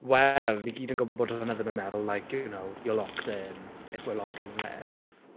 Wel, ni gyd yn gwbod bod hwnna ddim yn meddwl, like, you know "You're locked in, if we're locking lips."